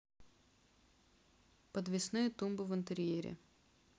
подвесные тумбы в интерьере